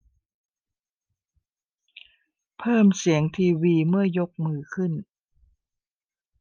เพิ่มเสียงทีวีเมื่อยกมือขึ้น